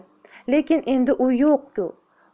lekin endi u yo'q ku